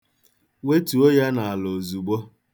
Wetuo ya n'ala ozugbo.